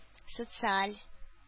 Социаль